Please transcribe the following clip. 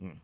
ùhum